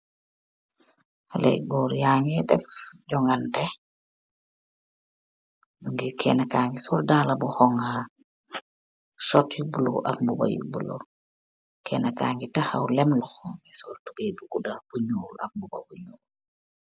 Haleh yu goor yangeh def jonganteh, kena ki yangeh sol daala bu honxa, sot yu blue ak mbuba yu blue, kena ki yangeh tahaw lem lohowam mu sol tubeh bu guda bu nyul ak mbuba bu nyull.